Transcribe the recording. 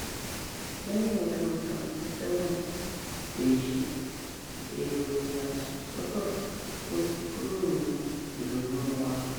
Lẹ́yìn ọdún 77, èyí [èrò ìyàsọ́tọ̀] ò tí ì kúrò ní ìrònúu wa.